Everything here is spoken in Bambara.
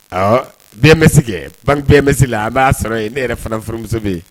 Ɔ bɛn bɛ pan bɛn bɛsi la a b'a sɔrɔ ne yɛrɛ fana furumuso bɛ